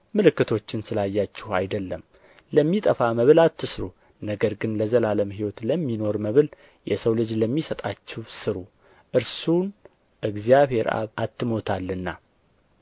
ምልክቶችን ስላያችሁ አይደለም ለሚጠፋ መብል አትሥሩ ነገር ግን ለዘላለም ሕይወት ለሚኖር መብል የሰው ልጅ ለሚሰጣችሁ ሥሩ እርሱን እግዚአብሔር አብ አትሞታልና